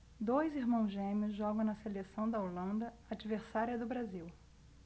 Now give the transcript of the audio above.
dois irmãos gêmeos jogam na seleção da holanda adversária do brasil